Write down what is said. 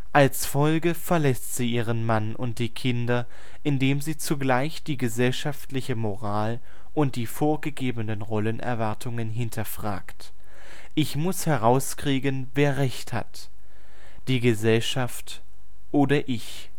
Als Folge verlässt sie ihren Mann und die Kinder, indem sie zugleich die gesellschaftliche Moral und die vorgegebenen Rollenerwartungen hinterfragt: „ Ich muss herauskriegen, wer recht hat, die Gesellschaft oder ich